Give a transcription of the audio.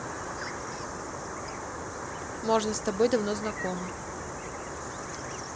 можно с тобой давно знакомы